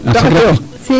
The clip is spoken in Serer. Ndaxar ne yoo?